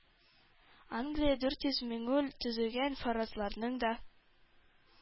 Англия – дүрт йөз меңул төзегән фаразларның да